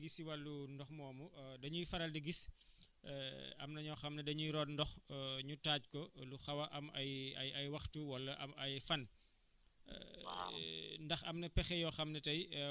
a am na solo monsieur René ba léegi si wàllu ndox moomu dañuy faral di gis am na ñoo xam ne dañuy root ndox ñu taaj ko lu xaw a am ay ay ay ay waxtu wala am ay fan